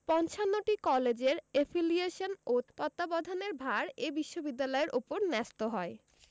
৫৫টি কলেজের এফিলিয়েশন ও তত্ত্বাবধানের ভার এ বিশ্ববিদ্যালয়ের ওপর ন্যস্ত হয়